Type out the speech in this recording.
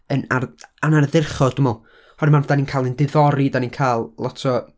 yn ardd- yn ardderchog, dwi meddwl. Oherwydd ma- dan ni'n cael ein diddori, dan ni'n cael lot o